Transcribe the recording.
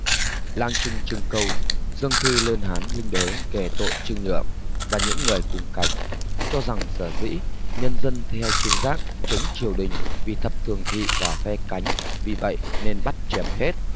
lang trung trương câu dâng thư lên hán linh đế kể tội trương nhượng và những người cùng cánh cho rằng sở dĩ nhân dân theo trương giác chống triều đình vì thập thường thị và phe cánh vì vậy nên bắt chém hết